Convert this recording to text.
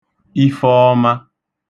Ifeọma